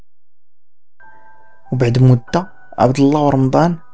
وبعد موته عبد الله ورمضان